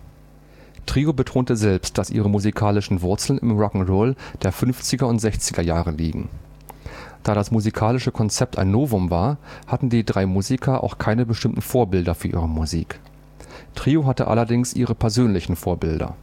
Trio betonte selbst, dass ihre musikalischen Wurzeln im Rock’ n’ Roll der 1950er und 60er Jahre liegen. Da das musikalische Konzept ein Novum war, hatten die drei Musiker auch keine bestimmten Vorbilder für ihre Musik. Trio hatte allerdings ihre persönlichen Vorbilder